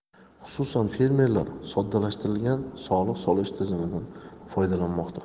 xususan fermerlar soddalashtirilgan soliq solish tizimidan foydalanmoqda